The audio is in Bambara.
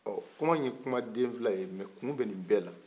ɔ kuman in kuman denfila ye mais kun be ni bɛ la